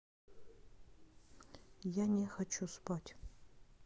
я не хочу спать